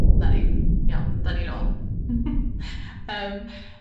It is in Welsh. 'Na ni, iawn, 'dan ni nôl yym